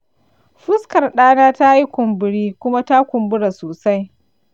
fuskar dana ta yi kumburi kuma ta kumbura sosai.